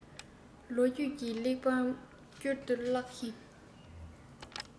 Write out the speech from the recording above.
ལོ རྒྱུས ཀྱི གླེགས བམ བསྐྱར དུ བཀླགས ཤིང